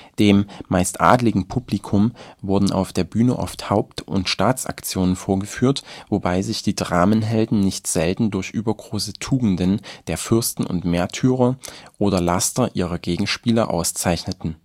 Dem (meist adligen) Publikum wurden auf der Bühne oft Haupt - und Staatsaktionen vorgeführt, wobei sich die Dramenhelden nicht selten durch übergroße Tugenden der Fürsten und Märtyrer oder Laster ihrer Gegenspieler auszeichneten